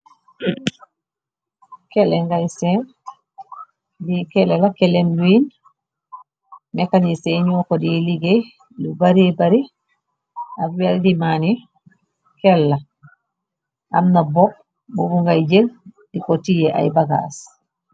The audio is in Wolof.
Kele ngay sen, bi kelle la kele bi mekhanisey ñoo ko di liggéey, lu bare bari ak weldaman yi, kella am na bopp bubu ngay jël di ko tiye ay bagaas.